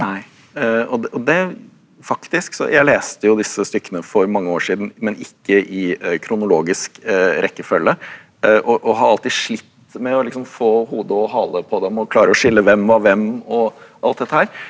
nei og og det faktisk så jeg leste jo disse stykkene for mange år siden men ikke i kronologisk rekkefølge og og har alltid slitt med å liksom få hode og hale på dem og klare å skille hvem var hvem og alt dette her.